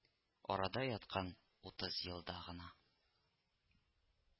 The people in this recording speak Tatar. —арада яткан утыз елда гына